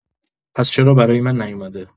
پس چرا برای من نیومده؟!